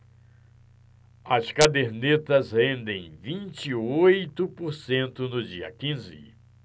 as cadernetas rendem vinte e oito por cento no dia quinze